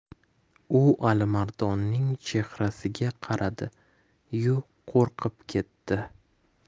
u alimardonning chehrasiga qaradi yu qo'rqib ketdi